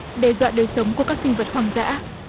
đe dọa đời sống của các sinh vật hoang dã